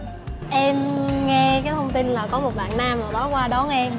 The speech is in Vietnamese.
em nghe cái thông tin là có một bạn nam nào đó qua đón em